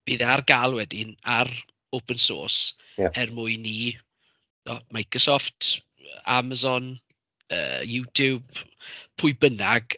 Bydd e ar gael wedyn ar open source... ia. ...er mwyn i o- Microsoft, Amazon, yy YouTube, pwy bynnag.